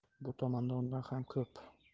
bu tomonda undan ham ko'p